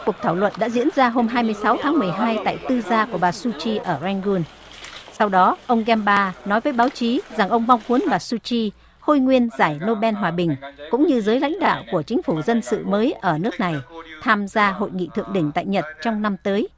cuộc thảo luận đã diễn ra hôm hai mươi sáu tháng mười hai tại tư gia của bà su chi ở reng gun sau đó ông gem ba nói với báo chí rằng ông mong muốn mà su chi khôi nguyên giải nô ben hòa bình cũng như giới lãnh đạo của chính phủ dân sự mới ở nước này tham gia hội nghị thượng đỉnh tại nhật trong năm tới